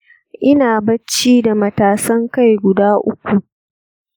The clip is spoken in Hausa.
ina bacci da matasan kai guda uku.